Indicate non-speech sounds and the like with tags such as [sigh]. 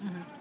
[hesitation] [hesitation]